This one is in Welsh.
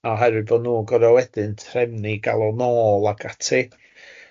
Oherwydd bod nhw'n goro wedyn trefnu gael o nôl ac ati.